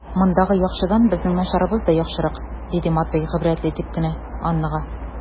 Мондагы яхшыдан безнең начарыбыз да яхшырак, - диде Матвей гыйбрәтле генә итеп Аннага.